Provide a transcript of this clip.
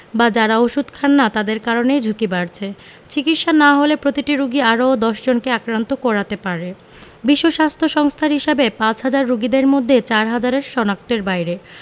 বা যারা ওষুধ খান না তাদের কারণেই ঝুঁকি বাড়ছে চিকিৎসা না হলে প্রতিটি রোগী আরও ১০ জনকে আক্রান্ত করাতে পারে বিশ্ব স্বাস্থ্য সংস্থার হিসেবে পাঁচহাজার রোগীর মধ্যে চারহাজার শনাক্তের বাইরে